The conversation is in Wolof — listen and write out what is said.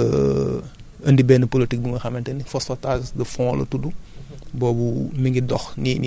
ëndi benn politique bi nga xamante ni phosphotage de fonds la tudd